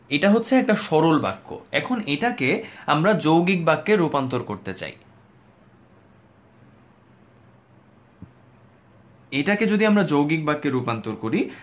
এটা হচ্ছে একটা সরল বাক্য এখন এটাকে আমরা যৌগিক বাক্যে রূপান্তর করতে চাই এটাকে যদি আমরা যৌগিক বাক্য রূপান্তর করি